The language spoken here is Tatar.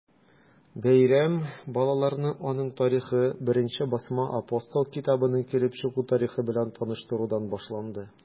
Бәйрәм балаларны аның тарихы, беренче басма “Апостол” китабының килеп чыгу тарихы белән таныштырудан башланды.